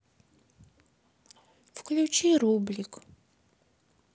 включи рублик